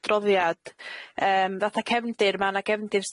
adroddiad yym ddath y cefndir ma' 'na gefndir